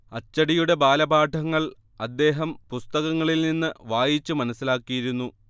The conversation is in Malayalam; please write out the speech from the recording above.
അച്ചടിയുടെ ബാലപാഠങ്ങൾ അദ്ദേഹം പുസ്തകങ്ങളിൽ നിന്ന് വായിച്ച് മനസ്സിലാക്കിയിരുന്നു